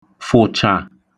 fụ̀chà